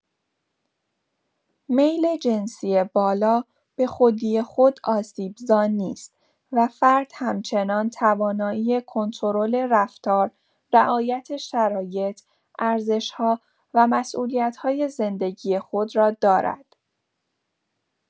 میل جنسی بالا به‌خودی‌خود آسیب‌زا نیست و فرد همچنان توانایی کنترل رفتار، رعایت شرایط، ارزش‌ها و مسئولیت‌های زندگی خود را دارد.